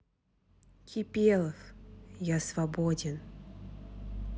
кипелов я свободен